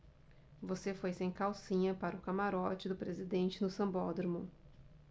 você foi sem calcinha para o camarote do presidente no sambódromo